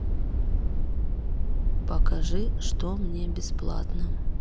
покажи что мне бесплатно